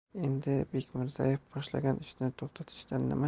endi bekmirzaev boshlagan ishni to'xtatishdan